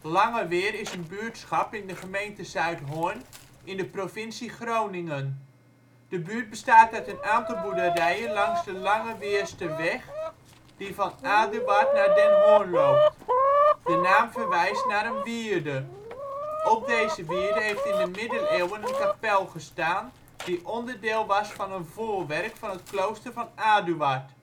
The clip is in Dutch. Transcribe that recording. Langeweer is een buurtschap in de gemeente Zuidhorn in de provincie Groningen. De buurt bestaat uit een aantal boerderijen langs de Langeweersterweg, die van Aduard naar Den Horn loopt. De naam verwijst naar een wierde. Op deze wierde heeft in de Middeleeuwen een kapel gestaan die onderdeel was van een voorwerk van het klooster van Aduard